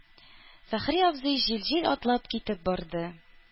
Фәхри абзый җил-җил атлап китеп барды.